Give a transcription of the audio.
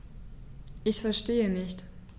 Ich verstehe nicht.